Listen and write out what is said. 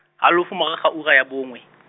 halofo morago ga ura ya bongwe.